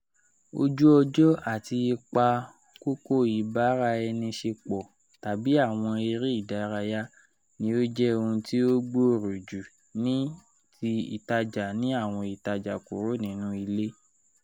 Oju ọjọ ati ipa koko ibara-ẹni-ṣepo tabi awon ere idaraya ni o jẹ ohun ti o gbooroju ni ti itaja ni awọn itaja kúrò nínú ile.